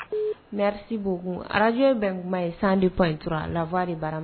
Merci beaucoup Radio ye Bɛn kuma ye 102.3 la voix de baramuso